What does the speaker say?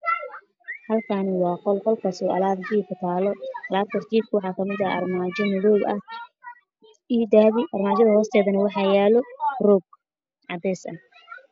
Halkan wa Qol Qolkas oo alab suQa talo alabtas jifka waxa kamidah armajo madow ah idahabi armajada hosteda wax yalo rog cadesah